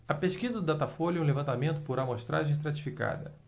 a pesquisa do datafolha é um levantamento por amostragem estratificada